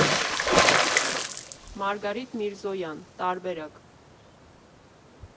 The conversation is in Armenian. Մարգարիտ Միրզոյան «Տարբերակ»